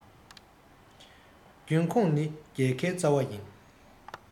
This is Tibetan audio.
རྒྱུན འཁྱོངས ནི རྒྱལ ཁའི རྩ བ ཡིན